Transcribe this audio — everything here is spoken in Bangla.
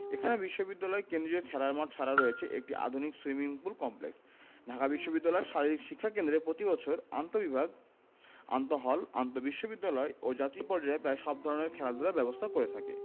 এখানে বিশ্ববিদ্যালয় কেন্দ্রীয় খেলার মাঠ ছাড়াও রয়েছে একটি আধুনিক সুইমিং পুল কমপ্লেক্স ঢাকা বিশ্ববিদ্যালয় শারীরিক শিক্ষা কেন্দ্র প্রতিবছর আন্তঃবিভাগ আন্তঃহল আন্তঃবিশ্ববিদ্যালয় ও জাতীয় পর্যায়ে প্রায় সব ধরনের খেলাধুলার ব্যবস্থা করে থাকে